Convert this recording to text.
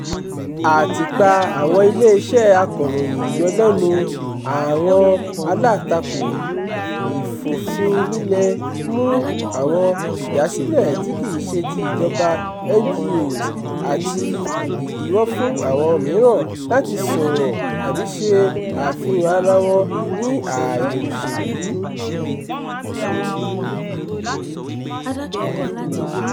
Àtìpa àwọn Ilé-iṣẹ́ Akọ̀ròyìn, ìyọlẹ́nu àwọn alátakò, ìfòfinlílẹ̀ mú àwọn ìdásílẹ̀ tí kì í ṣe ti ìjọba (NGOs) àti ìdiwọ́ fún àwọn mìíràn láti sọ̀rọ̀ tàbí ṣe àfihàn ara wọn ní ààyè òṣèlú.